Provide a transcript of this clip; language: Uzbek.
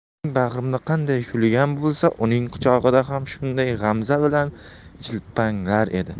mening bag'rimda qanday kulgan bo'lsa uning quchog'ida ham shunday g'amza bilan jilpanglar edi